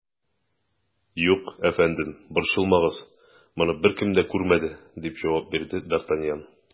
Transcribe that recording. Юк, әфәндем, борчылмагыз, моны беркем дә күрмәде, - дип җавап бирде д ’ Артаньян.